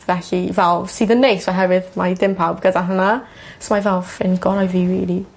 felly fel sydd yn neis oherwydd mae dim pawb gada hwnna. So mae fel ffrind gorau fi rili.